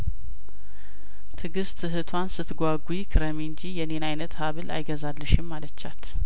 ትግስት እህቷን ስትጓጉ ክረሚ እንጂ የኔን አይነት ሀብል አይገዛልሽም አለቻት